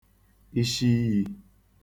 ishiiyī